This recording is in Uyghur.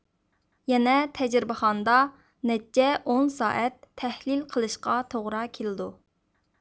يەنە تەجرىبىخانىدا نەچچە ئون سائەت تەھلىل قىلىشقا توغرا كېتىدۇ